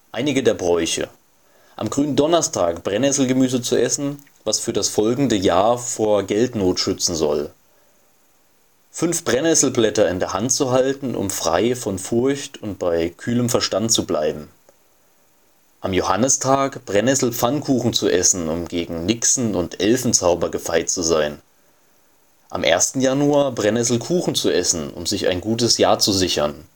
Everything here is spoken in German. Einige der Bräuche: Am Gründonnerstag Brennnesselgemüse zu essen, was für das folgende Jahr vor Geldnot schützen soll. Fünf Nesselblätter in der Hand zu halten, um frei von Furcht und bei kühlem Verstand zu bleiben. Am Johannistag Brennnesselpfannkuchen zu essen, um gegen Nixen - und Elfenzauber gefeit zu sein. Am 1. Januar Brennnesselkuchen zu essen, um sich ein gutes Jahr zu sichern